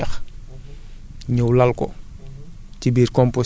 ñett sa natt sama ñeenti brouette ñax